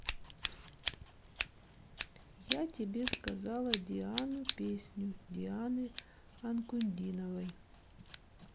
я тебе сказала диану песню дианы анкудиновой